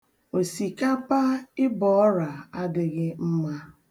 Osikapa ịbọ ọra adịghị mma.